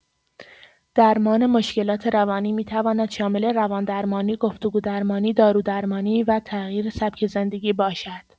درمان مشکلات روانی می‌تواند شامل روان‌درمانی، گفتگو درمانی، دارودرمانی و تغییر سبک زندگی باشد.